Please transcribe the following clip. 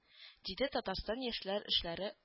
Диде татарстан яшьләр эшләре